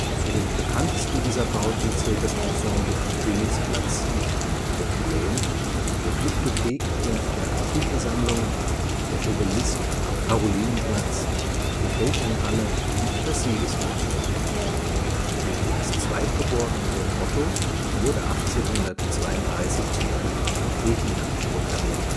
Zu den bekanntesten dieser Bauten zählt das Ensemble am Königsplatz (ab 1815) mit den Propyläen, der Glyptothek und der Antikensammlung (1848), der Obelisk am Karolinenplatz (1833), die Feldherrnhalle (1844) und das Siegestor (1850). Ludwigs zweitgeborener Sohn Otto wurde 1832 zum König von Griechenland proklamiert